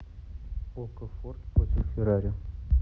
окко форд против феррари